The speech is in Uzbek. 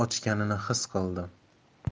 ochganini xis qildim